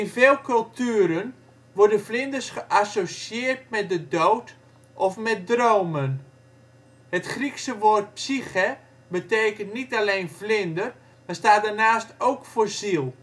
veel culturen worden vlinders geassocieerd met de dood of met dromen. Het Griekse woord psyche betekent niet alleen vlinder maar staat daarnaast ook voor ziel